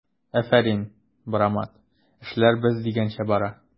Афәрин, брамат, эшләр без дигәнчә бара!